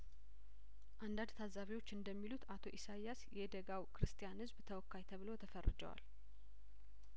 አንዳንድ ታዛቢዎች እንደሚሉት አቶ ኢሳይያስ የደጋው ክርስቲያን ህዝብ ተወካይ ተብለው ተፈርጀዋል